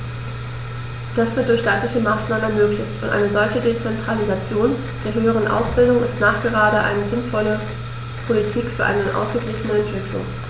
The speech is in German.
Das wird durch staatliche Maßnahmen ermöglicht, und eine solche Dezentralisation der höheren Ausbildung ist nachgerade eine sinnvolle Politik für eine ausgeglichene Entwicklung.